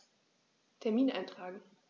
Termin eintragen